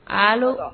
Allo